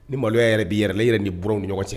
Ni maloya yɛrɛ b'i yɛrɛ la yɛrɛ nin b ni ɲɔgɔn cɛ